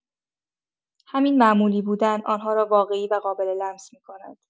همین معمولی بودن، آن‌ها را واقعی و قابل‌لمس می‌کند.